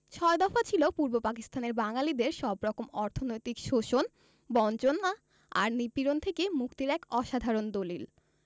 ছয় দফা ছিল পূর্ব পাকিস্তানের বাঙালিদের সবরকম অর্থনৈতিক শোষণ বঞ্চনা আর নিপীড়ন থেকে মুক্তির এক অসাধারণ দলিল